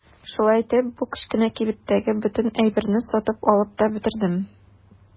Шулай итеп бу кечкенә кибеттәге бөтен әйберне сатып алып та бетердем.